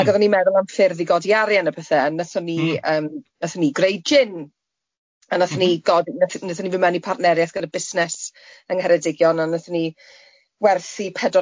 Ag odda i'n meddwl am ffyrdd i godi arian a pethe a wnaethon ni... M-hm. ...yym wnaethon ni greu gin.. M-hm. ...a wnaethon ni godi wnaethon ni fynd mewn i partneriaeth gyda busnes yng Ngheredigion a wnaethon ni werthu pedwar can potel o gin.